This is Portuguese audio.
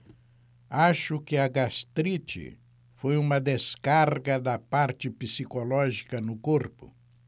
acho que a gastrite foi uma descarga da parte psicológica no corpo